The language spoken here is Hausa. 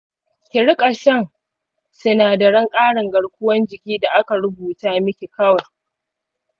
ki riƙa shan sinadaran karin garkuwan jiki da aka rubuta miki kawai.